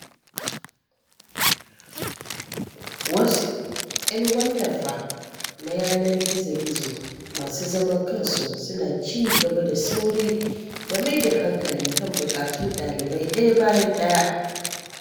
Wasu ƴan wallafa na yanar gizo-gizo masu zaman kansu suna ci gaba da sauri da mai da hankali kan bukatun ɗalibai ɗaya bayan ɗaya.